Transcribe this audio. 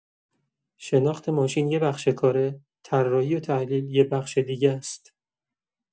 شناختن ماشین یه بخش کاره، طراحی و تحلیل یه بخش دیگه‌ست.